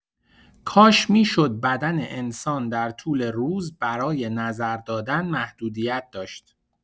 کاش می‌شد بدن انسان در طول روز برای نظر دادن محدودیت داشت.